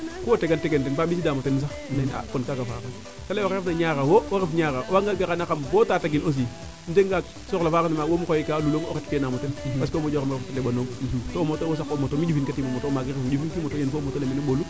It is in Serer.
ku o tegan tegeeno ten mba mbisiida moten sax im leynee a kon kaaga faaxa oxe ref na Niakhar wo wo ref Niakhar o waaga nga garanaxam bo Tataguine aussi im jega nga soxla faa wom xooy kaa lulong o ret fiya naamo ten parce que wo moƴu refo ndeɓanong to o moto le wo saqu o moto mi ƴufinka tiimo moto o maak refum ƴufin kiim mene o moto soo ɓolu